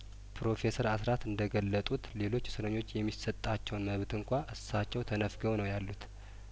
ፕሮፌሰር አስራት እንደገለጡት ሌሎች እስረኞች የሚሰጣቸውን መብት እንኳ እሳቸው ተነፍገው ነው ያሉት